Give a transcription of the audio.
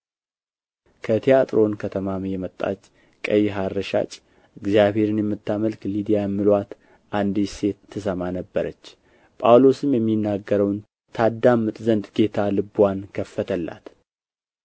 ከትያጥሮን ከተማም የመጣች ቀይ ሐር ሻጭ እግዚአብሔርን የምታመልክ ልድያ የሚሉአት አንዲት ሴት ትሰማ ነበረች ጳውሎስም የሚናገረውን ታዳምጥ ዘንድ ጌታ ልብዋን ከፈተላት